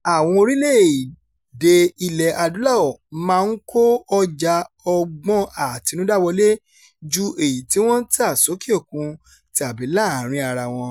Àwọn orílẹ̀-èdè Ilẹ̀-Adúláwọ̀ máa ń kó ọjà ọgbọ́n àtinudá wọlé ju èyí tí wọ́n tà sókè òkun tàbí láàárin ara wọn.